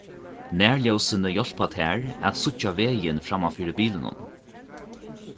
nærljósini hjálpa tær at síggja vegin framman fyri bilinum